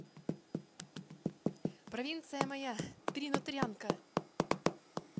провинция моя три нутрянка